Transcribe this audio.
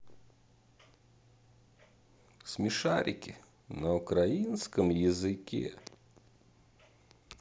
смешарики на украинском языке